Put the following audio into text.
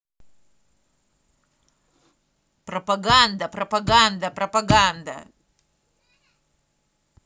пропаганда пропаганда пропаганда